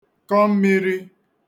kọ mmīrī